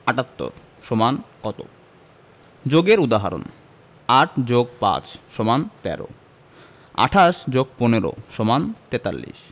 ৭৮ সমান কত যোগের উদাহরণঃ ৮ যোগ ৫ সমান ১৩ ২৮ যোগ ১৫ সমান ৪৩